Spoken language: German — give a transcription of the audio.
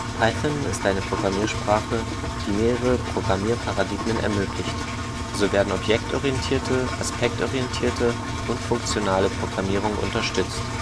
Python [ˈpaɪθn̩] ist eine Programmiersprache, die mehrere Programmierparadigmen ermöglicht. So werden objektorientierte, aspektorientierte und funktionale Programmierung unterstützt